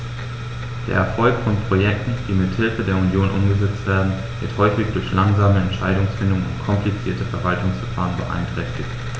Der Erfolg von Projekten, die mit Hilfe der Union umgesetzt werden, wird häufig durch langsame Entscheidungsfindung und komplizierte Verwaltungsverfahren beeinträchtigt.